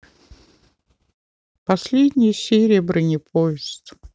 последняя серия бронепоезд